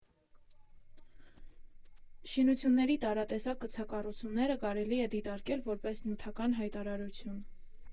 Շինությունների տարատեսակ կցակառուցումները կարելի է դիտարկել որպես նյութական հայտարարություն…